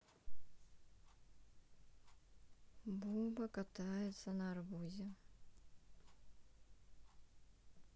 буба катается на арбузе